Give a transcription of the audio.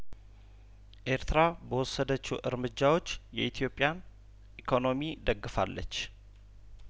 ኤርትራ በወሰደችው እርምጃዎች የኢትዮጵያን ኢኮኖሚ ደግፋለች